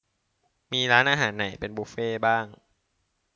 มีร้านอาหารไหนเป็นบุฟเฟต์บ้าง